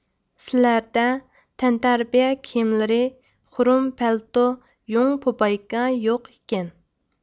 سىلەردە تەنتەربىيە كىيىملىرى خۇرۇم پەلتو يۇڭ پوپايكا يوق ئىكەن